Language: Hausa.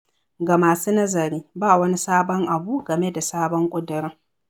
Ga masu nazari, ba wani sabon abu game da sabon ƙudurin.